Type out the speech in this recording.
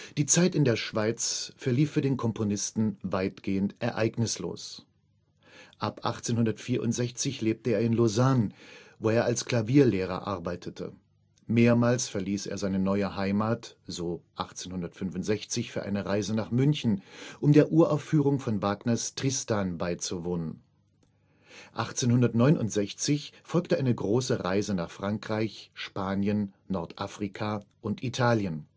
Die Zeit in der Schweiz verlief für den Komponisten weitgehend ereignislos. Ab 1864 lebte er in Lausanne, wo er als Klavierlehrer arbeitete. Mehrmals verließ er seine neue Heimat, so 1865 für eine Reise nach München, um der Uraufführung von Wagners Tristan beizuwohnen. 1869 folgte eine große Reise nach Frankreich, Spanien, Nordafrika und Italien